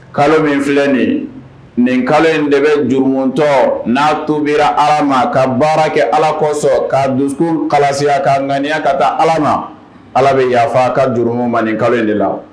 Kalo min filɛ nin ye ,nin kalo in de bɛ jurumitɔ, n'a tuubi_ allah ma, ka baara kɛ allah kosɔn, ka dusu kalasiya k'a ŋaniya ka taa ala ma allah _ bɛ yaafa ka jurumo man nin kalo de la